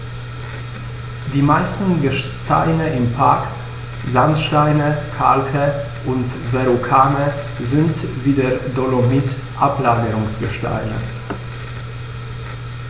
Die meisten Gesteine im Park – Sandsteine, Kalke und Verrucano – sind wie der Dolomit Ablagerungsgesteine.